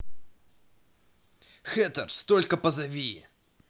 hatters только позови